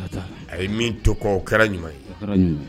A ye min tokɔw kɛra ɲuman ye